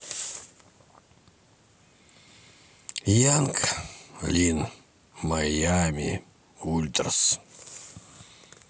янг лин майами ультрас